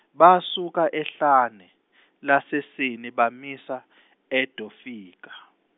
basuka ehlane , laseSini bamisa , eDofika.